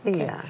Ia.